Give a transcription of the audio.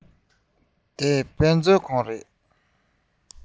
འདི དཔེ མཛོད ཁང རེད